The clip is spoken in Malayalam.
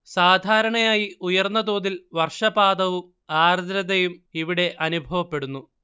സാധാരണയായി ഉയർന്ന തോതിൽ വർഷപാതവും ആർദ്രതയും ഇവിടെ അനുഭവപ്പെടുന്നു